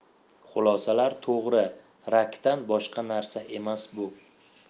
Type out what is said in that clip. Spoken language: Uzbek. xulosalar to'g'ri rakdan boshqa narsa emas bu